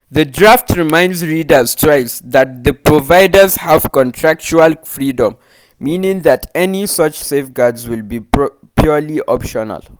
The draft reminds readers – twice – that the providers have “contractual freedom”, meaning that any such safeguards will be purely optional.